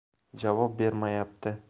javob bermayapti